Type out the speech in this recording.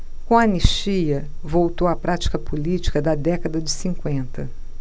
com a anistia voltou a prática política da década de cinquenta